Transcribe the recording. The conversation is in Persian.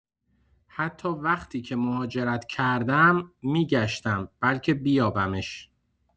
حتی وقتی که مهاجرت کردم، می‌گشتم، بلکه بیابمش.